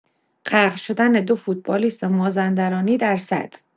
غرق شدن دو فوتبالیست مازندرانی در سد.